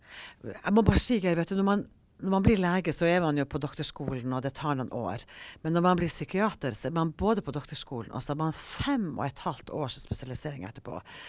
jeg må bare si, Geir, vet du når man når man blir lege så er man jo på doktorskolen og det tar noen år, men når man blir psykiater så er man både på doktorskolen og så har man fem og et halvt års spesialisering etterpå.